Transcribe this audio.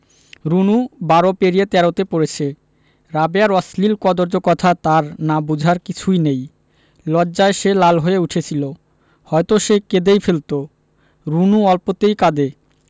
রুনু বারো পেরিয়ে তেরোতে পড়েছে রাবেয়ার অশ্লীল কদৰ্য কথা তার না বুঝার কিছুই নেই লজ্জায় সে লাল হয়ে উঠেছিলো হয়তো সে কেঁদেই ফেলতো রুনু অল্পতেই কাঁদে